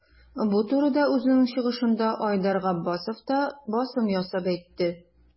Бу турыда үзенең чыгышында Айдар Габбасов та басым ясап әйтте.